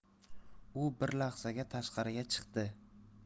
u bir lahzaga tashqariga chiqdi